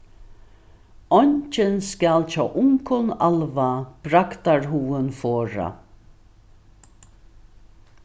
eingin skal hjá ungum alva bragdarhugin forða